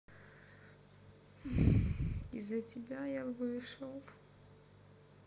из за тебя я вышел